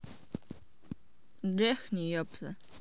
johnny йопта